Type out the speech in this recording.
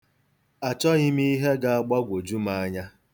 Achọghị m ihe ga-agbagwoju m anya.